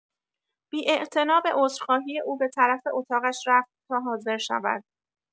بی‌اعتنا به عذرخواهی او به‌طرف اتاقش رفت تا حاضر شود.